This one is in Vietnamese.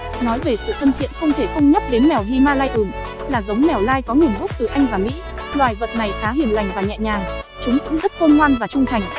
nói về sự thân thiện không thể không nhắc đến mèo himalayan là giống mèo lai có nguồn gốc từ anh và mỹ loài vật này khá hiền lành và nhẹ nhàng chúng cũng rất không ngoan và trung thành